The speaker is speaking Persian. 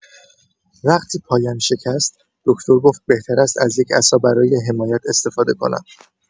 وقتی پایم شکست، دکتر گفت بهتر است از یک عصا برای حمایت استفاده کنم.